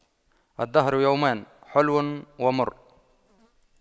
الدهر يومان حلو ومر